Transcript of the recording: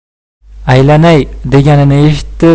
aylanay deganini eshitdi